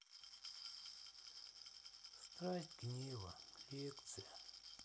страсть гнева лекция